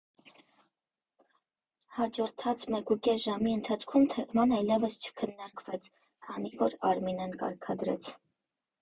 Հաջորդած մեկուկես ժամի ընթացքում թեման այլևս չքննարկվեց, քանի որ Արմինեն կարգադրեց.